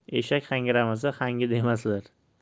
eshak hangramasa hangi demaslar